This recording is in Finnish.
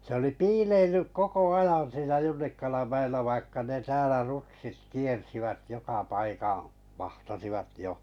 se oli piileillyt koko ajan siinä Junnikalan mäellä vaikka ne täällä rutsit kiersivät joka paikan vahtasivat jo